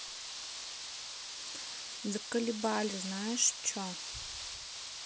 заколебали знаешь че